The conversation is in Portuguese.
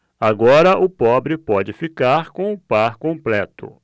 agora o pobre pode ficar com o par completo